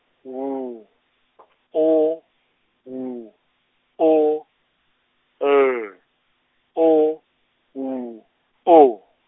W O W O L O W O.